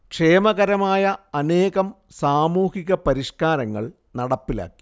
ക്ഷേമകരമായ അനേകം സാമൂഹിക പരിഷ്കാരങ്ങൾ നടപ്പിലാക്കി